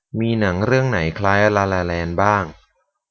มีหนังเรื่องไหนคล้ายกับลาลาแลนด์บ้าง